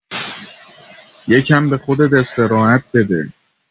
یکم به خودت استراحت بده